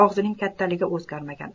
og'zining kattaligi o'zgarmagan